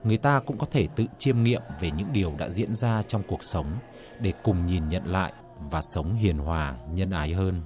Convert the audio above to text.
người ta cũng có thể tự chiêm nghiệm về những điều đã diễn ra trong cuộc sống để cùng nhìn nhận lại và sống hiền hòa nhân ái hơn